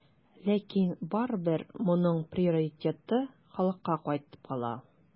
Ләкин барыбер моның приоритеты халыкка кайтып кала.